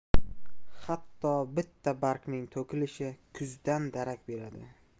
hatto bitta bargning to'kilishi kuzdan darak beradi